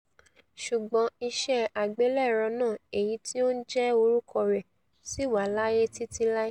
Ṣùgbọ́n iṣẹ́ àgbélẹ̀rọ náà èyití ó ńjẹ́ orúkọ rẹ̀ sí wà láàyé títí lái.